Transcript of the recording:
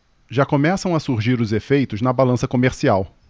já começam a surgir os efeitos na balança comercial